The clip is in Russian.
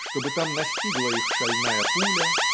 чтобы там настигла их шальная пуля